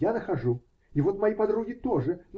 Я нахожу, и вот мои подруги тоже.